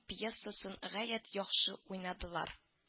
Пьесасын гаять яхшы уйнадылар